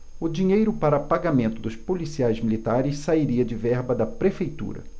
o dinheiro para pagamento dos policiais militares sairia de verba da prefeitura